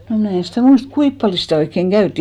no minä en sitä muista kuinka paljon sitä oikein käytiin